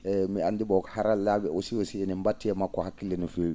eeyi mi anndi bon ko harallaa?e aussi ina batti makko hakkile no fewi